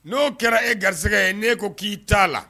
N'o kɛra e garisɛgɛ ye ne ko k'i t'a la